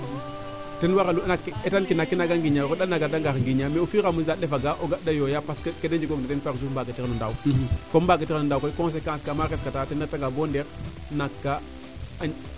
ten warlu naak ke etaan ke naak ke nanga ngiñeroo o fiya nga naaga ne ngiña mais au fur a mesure daand le faga o ga de yooya parce que kede njego gina par jour :fa mbaga tirano ndaaw comme mbaga tirano ndaaw koy consequence maa ret kata ten a reta nga bo ndeer naak kaa